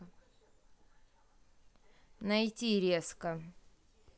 найти резко